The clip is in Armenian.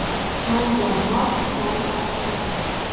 Ձայն բազմաց՝ ձայն Աստծո։